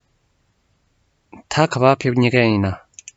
ད ག པར ཕེབས མཁན ཡིན ན